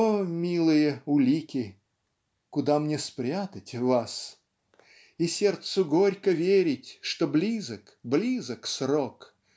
О, милые улики, Куда мне спрятать вас? И сердцу горько верить Что близок близок срок